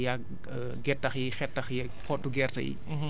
ñax yaag gettax yi xetax yeeg xottu gerte yi